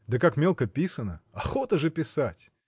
Да как мелко писано: охота же писать!